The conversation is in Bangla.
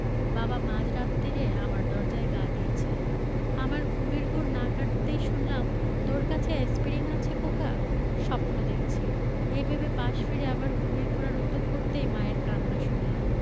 বাবা মাঝ রাত্তিরে আমার দরজায় ঘা দিয়েছিলেন আমার ঘুমের ঘোর না কাটতেই শুনলাম তোর কাছে এ্যাসপিরিন আছে খোকা স্বপ্ন দেখছি এই ভেবে পাশে ফিরে আবার ঘুমিয়ে পড়ার উদ্যোগ করতেই মায়ের কান্না শুনলাম